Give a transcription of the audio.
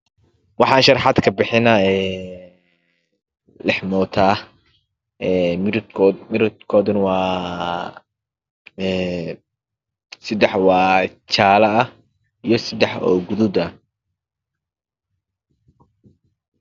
Waxa sharaxadkabixinaya Een Lemoto ah midibkona waa sidejeleah iyo sidax gaduudah